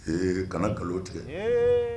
Ee kana nkalon tigɛ. Ee